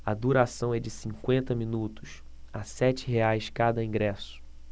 a duração é de cinquenta minutos a sete reais cada ingresso